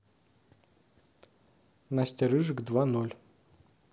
настя рыжик два ноль